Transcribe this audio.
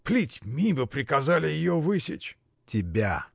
Плетьми бы приказали ее высечь. — Тебя!